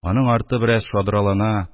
Аның арты бераз шадралана